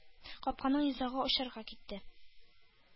Капканың йозагын ачарга китте.